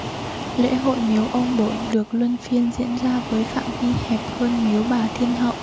lễ hội miếu ông bổn được luân phiên diễn ra với phạm vi hẹp hơn miếu bà thiên hậu